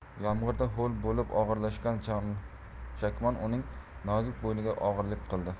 yomg'irda ho'l bo'lib og'irlashgan chakmon uning nozik bo'yniga og'irlik qildi